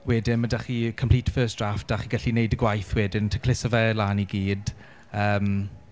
Wedyn ma' 'da chi complete first drafft a chi'n gallu gwneud y gwaith wedyn tacluso fe lan i gyd yym.